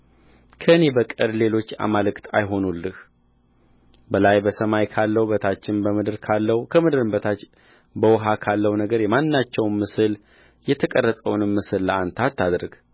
ከእኔ በቀር ሌሎች አማልክት አይሁኑልህ በላይ በሰማይ ካለው በታችም በምድር ካለው ከምድርም በታች በውኃ ካለው ነገር የማናቸውንም ምሳሌ የተቀረጸውንም ምስል ለአንተ አታድርግ